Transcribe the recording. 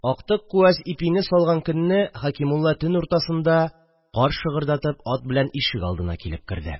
Актык куәс ипине салган көнне Хәкимулла төн уртасында, кар шыгырдатып, ат белән ишегалдына килеп керде